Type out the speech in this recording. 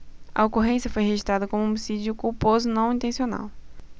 a ocorrência foi registrada como homicídio culposo não intencional